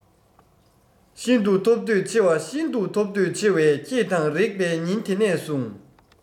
ཤིན ཏུ ཐོབ འདོད ཆེ བས ཤིན ཏུ ཐོབ འདོད ཆེ བས ཁྱེད དང རེག པའི ཉིན དེ ནས བཟུང